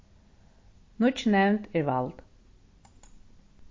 nýggj nevnd er vald